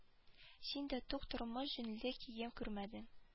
Син дә тук тормыш җүнле кием күрмәдең